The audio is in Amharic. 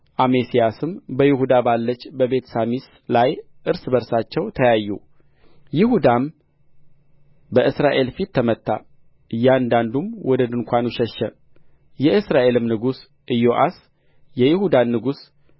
አሜስያስም በይሁዳ ባለች በቤትሳሚስ ላይ እርስ በርሳቸው ተያዩ ይሁዳም በእስራኤል ፊት ተመታ እያንዳንዱም ወደ ድንኳኑ ሸሸ የእስራኤልም ንጉሥ ኢዮአስ የይሁዳን ንጉሥ